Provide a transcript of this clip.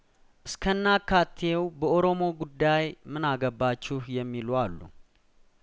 እስከናካቴው በኦሮሞ ጉዳይምን አገባችሁ የሚሉ አሉ